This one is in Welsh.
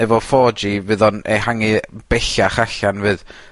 efo four gee fydd o'n ehangu bellach allan fydd.